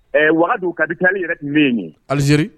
Ɛ wagadu kadi taa yɛrɛ tun bɛ yen ye alizeri